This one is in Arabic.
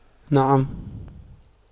نعم